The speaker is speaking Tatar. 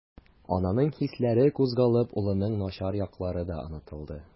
Ананың хисләре кузгалып, улының начар яклары да онытылды.